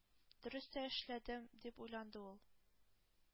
Дөрес тә эшләдем, дип уйланды ул.